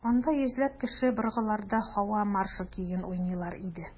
Анда йөзләп кеше быргыларда «Һава маршы» көен уйныйлар иде.